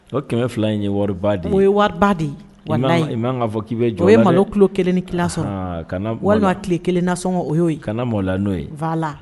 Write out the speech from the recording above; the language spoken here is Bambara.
O kɛmɛ fila in ye wariba de ye o ye wari de ye fɔ'i bɛ jɔ o ye malo kilo kelen ni ki sɔrɔ walima ki kelen sɔn o y kana mɔ la n'o ye